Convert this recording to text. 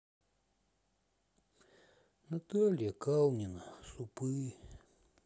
наталья калнина супы